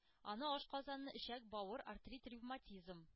Аны ашказаны-эчәк, бавыр, артрит, ревматизм,